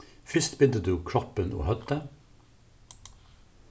fyrst bindur tú kroppin og høvdið